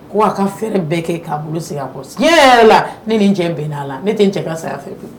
Ko a ka fɛ bɛɛ kɛ k'a bolo segin kɔ yɛrɛ la ne ni cɛ bɛn'a la ne tɛ n cɛ ka saya fɛ bi